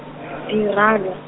dirane.